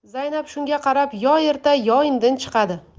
zaynab shunga qarab yo erta yo indin chiqadi